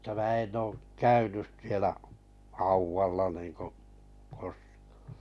mutta minä en ole käynyt siellä haudalla niin kuin koskaan